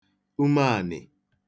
ume ànị̀